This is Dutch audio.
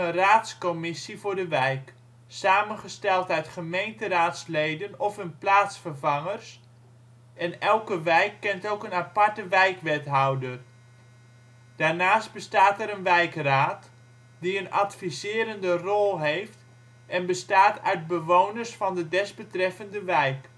raadscommissie voor de wijk, samengesteld uit gemeenteraadsleden of hun plaatsvervangers en elke wijk kent ook een aparte wijkwethouder. Daarnaast bestaat er een wijkraad, die een adviserende rol heeft en bestaat uit bewoners van de desbetreffende wijk